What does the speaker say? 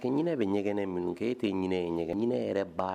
Ko ɲinɛ bi ɲɛgɛnɛ min kɛ e tɛ ɲinɛ ye. Ɲinɛ yɛrɛ ba